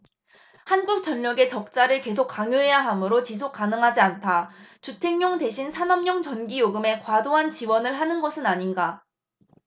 한국전력에 적자를 계속 강요해야 하므로 지속 가능하지 않다 주택용 대신 산업용 전기요금에 과도한 지원을 하는 것은 아닌가